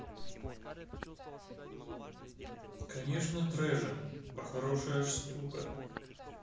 конечно treasure по хорошая штука